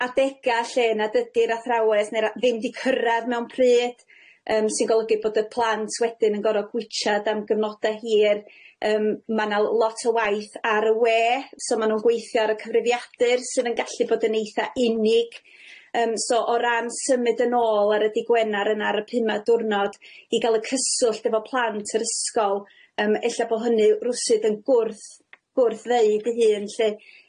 adega lle nad ydi'r athrawes neu'r a- ddim 'di cyrradd mewn pryd yym sy'n golygu bod y plant wedyn yn gor'o' gwitsiad am gyfnode hir yym ma' 'na l- lot o waith ar y we so ma' nw'n gweithio ar y cyfrifiadur sydd yn gallu bod yn eitha unig yym so o ran symud yn ôl ar y dydd Gwener yna ar y pumad diwrnod i ga'l y cyswllt efo plant yr ysgol yym ella bo' hynny r'wsut yn gwrth gwrth neud i hun lly.